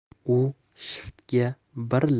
u shiftga bir